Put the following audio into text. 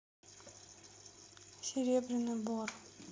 серебряный бор